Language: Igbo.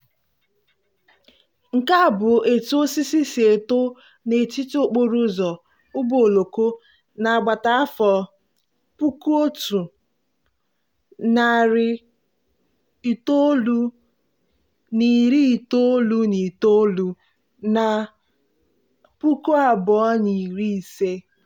Nke a bụ etu osisi si eto n'etiti okporo ụzọ ụgbọ oloko n'agbata afọ 1999 na 2015...